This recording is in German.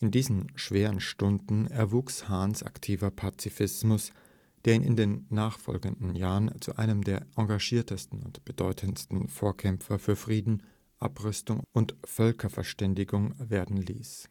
diesen schweren Stunden erwuchs Hahns aktiver Pazifismus, der ihn in den nachfolgenden Jahren zu einem der engagiertesten und bedeutendsten Vorkämpfer für Frieden, Abrüstung und Völkerverständigung werden ließ